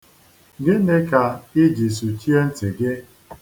Gịnị ka i ji sụchie ntị gị?